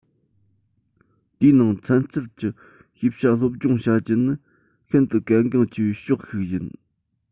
དེའི ནང ཚན རྩལ གྱི ཤེས བྱ སློབ སྦྱོང བྱ རྒྱུ ནི ཤིན ཏུ གལ འགངས ཆེ བའི ཕྱོགས ཤིག ཡིན